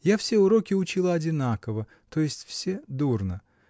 — Я все уроки учила одинаково, то есть всё дурно.